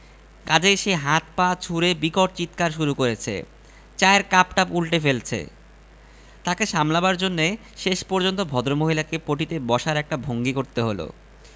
কাজেই সে হাত পা ছুড়ে বিকট চিৎকার শুরু করেছে চায়ের কাপটাপ উন্টে ফেলছে তাকে সামলাবার জন্যে শেষ পর্যন্ত ভদ্রমহিলাকে পটি তে বসার একটা ভঙ্গি করতে হল